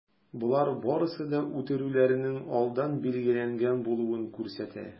Болар барысы да үтерүләрнең алдан билгеләнгән булуын күрсәтә.